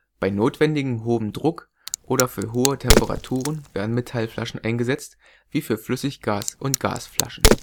Bei notwendigem hohem Druck oder für hohe Temperaturen werden Metallflaschen eingesetzt, wie für Flüssiggas - und Gasflaschen